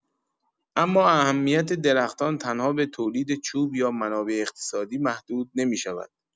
اما اهمیت درختان تنها به تولید چوب یا منابع اقتصادی محدود نمی‌شود!